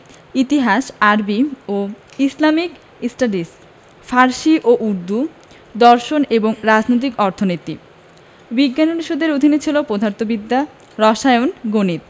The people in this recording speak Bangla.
ইতিহাস আরবি ও ইসলামিক স্টাডিজ ফার্সি ও উর্দু দর্শন এবং রাজনৈতিক অর্থনীতি বিজ্ঞান অনুষদের অধীনে ছিল পদার্থবিদ্যা রসায়ন গণিত